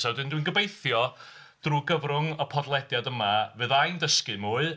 So dwi'n- dwi'n gobeithio drwy gyfrwng y podlediad yma fydda i'n dysgu mwy.